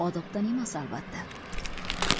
odobdan emas albatta